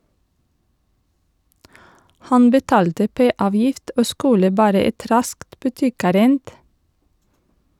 Han betalte P- avgift og skulle bare et raskt butikkærend.